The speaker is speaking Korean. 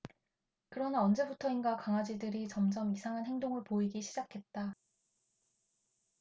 그러나 언제부터인가 강아지들이 점점 이상한 행동을 보이기 시작했다